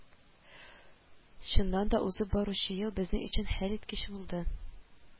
Чыннан да узып баручы ел безнең өчен хәлиткеч булды